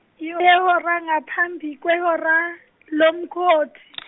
yi- ngaphambi kwehora loMkhothi .